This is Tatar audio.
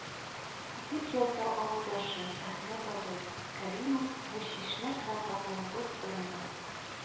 Дип яза авылдашым әхмәт абый кәримов бу чишмә һәм авылыбыз турында